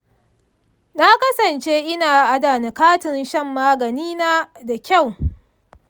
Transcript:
na kasance ina adana katin shan maganina da kyau.